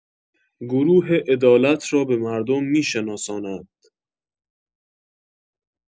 گروه عدالت را به مردم می‌شناساند